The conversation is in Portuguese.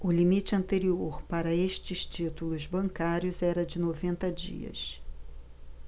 o limite anterior para estes títulos bancários era de noventa dias